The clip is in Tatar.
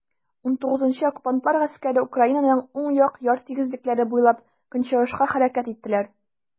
XIX Оккупантлар гаскәре Украинаның уң як яр тигезлекләре буйлап көнчыгышка хәрәкәт иттеләр.